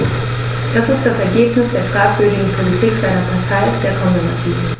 Das ist das Ergebnis der fragwürdigen Politik seiner Partei, der Konservativen.